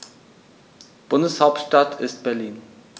Bundeshauptstadt ist Berlin.